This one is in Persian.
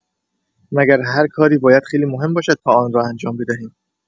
مگر هر کاری باید خیلی مهم باشد تا آن را انجام بدهیم؟